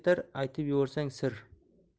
ketar aytib yuborsang sir